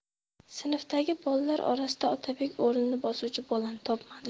sinfdagi bolalar orasida otabek o'rnini bosuvchi bolani topmadi